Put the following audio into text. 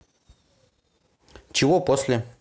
чего после